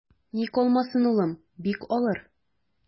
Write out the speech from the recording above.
Ник алмасын, улым, бик алыр.